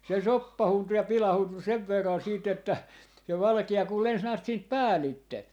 se soppaantui ja pilaantui sen verran siitä että se valkea kun lensi näet siitä päältä